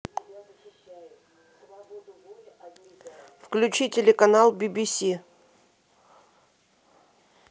включи телеканал бибиси